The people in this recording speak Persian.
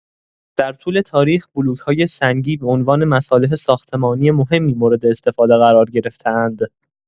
در طول تاریخ، بلوک‌های سنگی به عنوان مصالح ساختمانی مهمی مورداستفاده قرار گرفته‌اند.